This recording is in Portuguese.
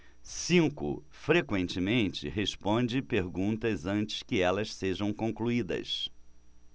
cinco frequentemente responde perguntas antes que elas sejam concluídas